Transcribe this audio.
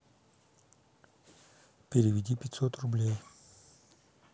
переведи пятьсот рублей